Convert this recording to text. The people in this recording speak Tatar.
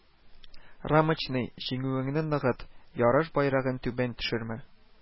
Рамочный, җиңүеңне ныгыт, ярыш байрагын түбән төшермә